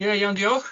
Ie iawn diolch.